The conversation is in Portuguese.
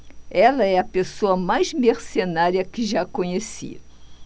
ela é a pessoa mais mercenária que já conheci